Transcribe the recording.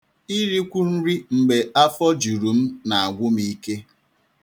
Irikwu nri mgbe afọ juru m na-agwụ m ike.